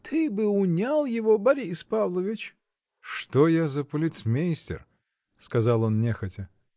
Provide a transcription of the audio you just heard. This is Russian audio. — Ты бы унял его, Борис Павлович! — Что я за полицмейстер? — сказал он нехотя.